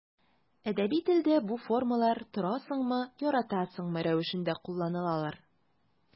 Әдәби телдә бу формалар торасыңмы, яратасыңмы рәвешендә кулланылалар.